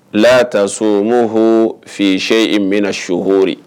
Y'a ta so maaw h fiyɛn in bɛna na su hori